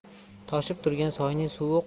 toshib turgan soyning suvi